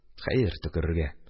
Хәер, төкерергә.